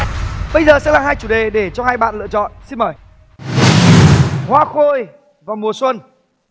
bây giờ sẽ là hai chủ đề để cho hai bạn lựa chọn xin mời hoa khôi và mùa xuân